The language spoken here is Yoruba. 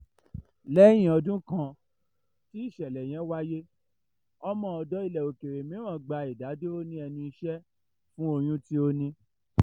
Lẹ́yìn ọdún kan tí ìṣẹ̀lẹ̀ yẹn wáyé, ọmọ-ọ̀dọ̀ ilẹ̀-òkèèrè mìíràn gba ìdádúró ní ẹnu iṣẹ́ fún oyún tí ó ní.